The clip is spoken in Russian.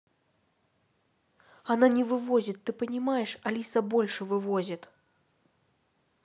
она не вывозит ты понимаешь алиса больше вывозит